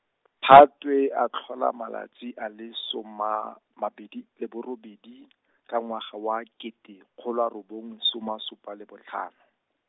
Phatwe a tlhola malatsi a le soma a mabedi le borobedi, ka ngwaga wa kete kgolo a robong soma a supa le botlhano.